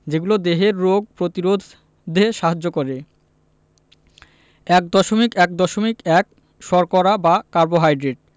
যেগুলো দেহের রোগ প্রতিরোধে সাহায্য করে ১.১.১ শর্করা বা কার্বোহাইড্রেট